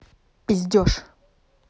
пиздешь